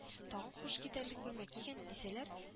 Тагын һуш китәрлек күлмәк кигән”,—дисәләр